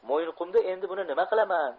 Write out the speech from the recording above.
mo'yinqumda endi buni nima qilaman